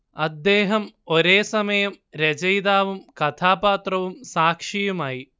അദ്ദേഹം ഒരേസമയം രചയിതാവും കഥാപാത്രവും സാക്ഷിയുമായി